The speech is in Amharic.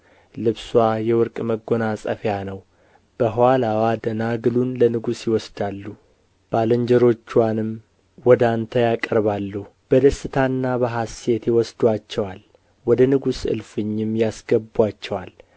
ልብስዋ የወርቅ መጐናጸፊያ ነው በኋላዋ ደናግሉን ለንጉሥ ይወስዳሉ ባልንጀሮችዋንም ወደ አንተ ያቀርባሉ በደስታና በሐሴት ይወስዱአቸዋል ወደ ንጉሥ እልፍኝም ያስገቡአቸዋል